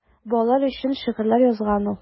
Балалар өчен шигырьләр язган ул.